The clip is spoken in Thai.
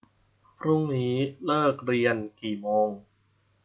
พรุ่งนี้เลิกเรียนกี่โมง